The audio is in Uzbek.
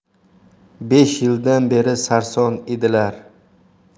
besh yildan beri sarson edilar